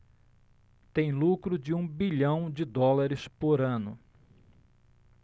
tem lucro de um bilhão de dólares por ano